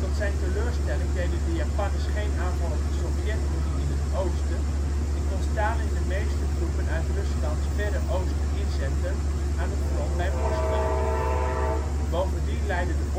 zijn teleurstelling deden de Japanners geen aanval op de Sovjet-Unie in het oosten en kon Stalin de meeste troepen uit Ruslands verre oosten inzetten aan het front bij Moskou. Bovendien leidde de oorlogsverklaring